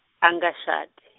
angashadi.